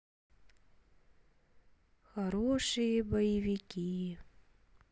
хорошие боевики